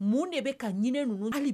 Mun de bɛ ka ɲin ninnu